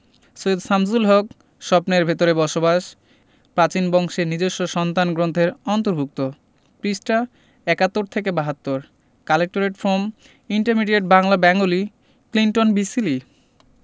সৈয়দ শামসুল হক স্বপ্নের ভেতরে বসবাস প্রাচীন বংশের নিজস্ব সন্তান গ্রন্থের অন্তর্ভুক্ত পৃষ্ঠা ৭১ থেকে ৭২ collected from intermediate Bangla Bengali Clinton B Seely